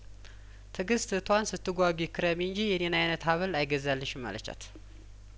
ትግስት እህቷን ስትጓጉ ክረሚ እንጂ የኔን አይነት ሀብል አይገዛልሽም አለቻት